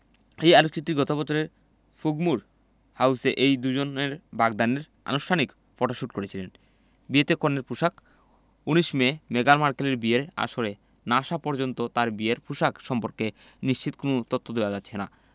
একই আলোকচিত্রী গত বছর ফ্রোগমোর হাউসে এই দুজনের বাগদানের আনুষ্ঠানিক ফটোশুট করেছিলেন বিয়েতে কনের পোশাক ১৯ মে মেগান মার্কেলের বিয়ের আসরে না আসা পর্যন্ত তাঁর বিয়ের পোশাক সম্পর্কে নিশ্চিত কোনো তথ্য দেওয়া যাচ্ছে না